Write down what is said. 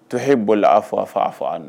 To h bɔra la a fɔ a fɔ' fɔ an